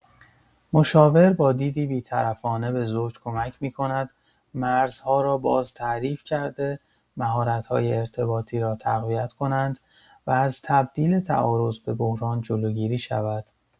مشاور با دیدی بی‌طرفانه به زوج کمک می‌کند مرزها را بازتعریف کرده، مهارت‌های ارتباطی را تقویت کنند و از تبدیل تعارض به بحران جلوگیری شود.